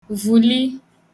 vùli